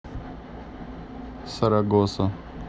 сарагоса